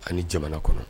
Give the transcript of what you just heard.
Ani ni jamana kɔnɔ